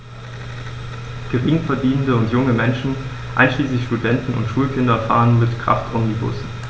Geringverdienende und junge Menschen, einschließlich Studenten und Schulkinder, fahren mit Kraftomnibussen.